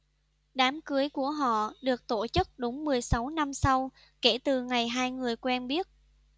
đám cưới của họ được tổ chức đúng mười sáu năm sau kể từ ngày hai người quen biết